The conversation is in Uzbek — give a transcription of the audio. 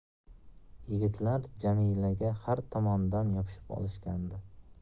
yigitlar jamilaga har tomondan yopishib olishgandi